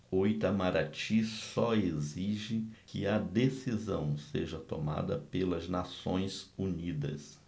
o itamaraty só exige que a decisão seja tomada pelas nações unidas